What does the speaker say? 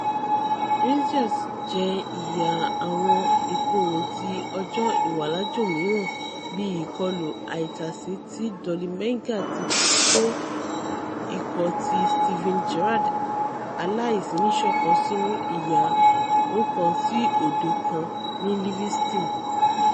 Rangers jẹ ìyà àwọn ìkorò ti ọjọ-ìwàlájò mìíràn bí ìkọlù-àìtàṣé ti Dolly Menga ti kó ikọ̀ ti Steven Gerrard aláìsínísọ̀kan sínú ìyà 1-0 kan ní Livingston.